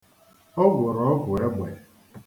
Ọ gwọrọ ọgwụ egbe.